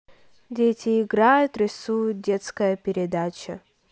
дети играют рисуют детская передача